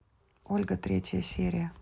ольга третья серия